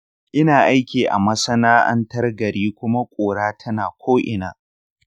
ina aiki a masana’antar gari kuma ƙura tana ko’ina.